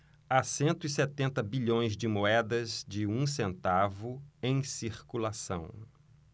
há cento e setenta bilhões de moedas de um centavo em circulação